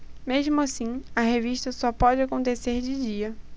mesmo assim a revista só pode acontecer de dia